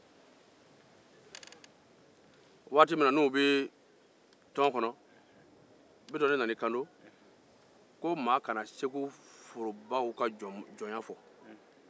bitɔn nana i kanto tɔn kɔnɔ ko maa kana segu forobajɔnw ka ɲɔnya fɔ